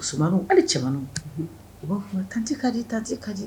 Sumaworo hali cɛman u b'a tanti ka di tanti ka di